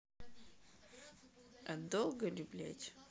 а долго ли блядь